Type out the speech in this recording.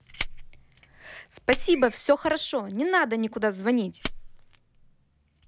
спасибо все хорошо не надо никуда звонить